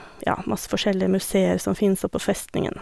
Ja, masse forskjellige museer som fins oppå festningen og...